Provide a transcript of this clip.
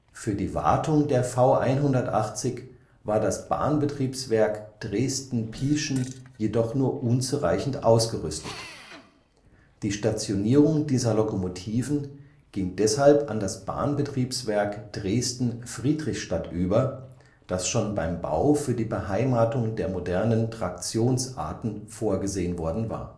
Für die Wartung der V 180 war das Bahnbetriebswerk Dresden-Pieschen jedoch nur unzureichend ausgerüstet. Die Stationierung dieser Lokomotiven ging deshalb an das Bahnbetriebswerk Dresden-Friedrichstadt über, das schon beim Bau für die Beheimatung der modernen Traktionsarten vorgesehen worden war